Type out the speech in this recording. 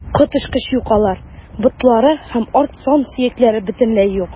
Коточкыч юкалар, ботлары һәм арт сан сөякләре бөтенләй юк.